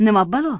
nima balo